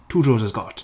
Two drawers has got.